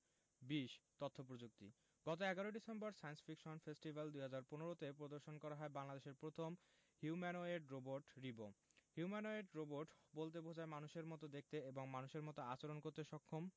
২০ তথ্য প্রযুক্তি গত ১১ ডিসেম্বর সায়েন্স ফিকশন ফেস্টিভ্যাল ২০১৫ তে প্রদর্শন করা হয় বাংলাদেশের প্রথম humanoid robot Ribo humanoid robot বলতে বোঝায় মানুষের মতো দেখতে এবং মানুষের মতো আচরণ করতে সক্ষম